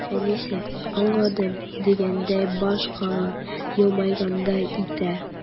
Әнисе, аңладым дигәндәй баш кага, елмайгандай итә.